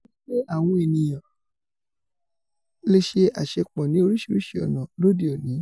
ó wípé ''Àwọn eniyan lesee àṣepọ̀ ní oríṣiríṣi ọ̀nà'', lóde òní.